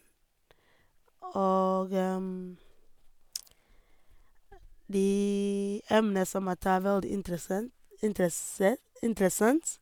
Og de emner som jeg tar, er veldig interessent interessert interessant.